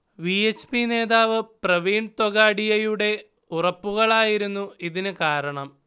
V. H. P. നേതാവ് പ്രവീൺ തൊഗാഡിയയുടെ ഉറപ്പുകളായിരുന്നു ഇതിന് കാരണം